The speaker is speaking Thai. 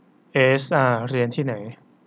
เอเอสอาร์เรียนที่ไหน